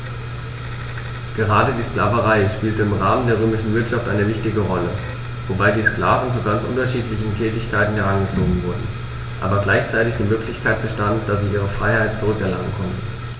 Gerade die Sklaverei spielte im Rahmen der römischen Wirtschaft eine wichtige Rolle, wobei die Sklaven zu ganz unterschiedlichen Tätigkeiten herangezogen wurden, aber gleichzeitig die Möglichkeit bestand, dass sie ihre Freiheit zurück erlangen konnten.